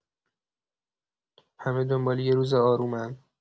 همه دنبال یه روز آرومن.